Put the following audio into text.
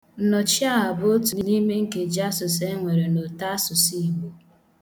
Nnọchiaha bụ otu n'ime nkejiasụsụ e nwere n'utaasusu Igbo.